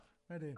Ydyn.